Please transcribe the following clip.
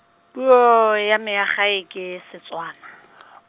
puo ya me ya gae ke Setswana .